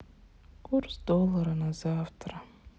курс доллара на завтра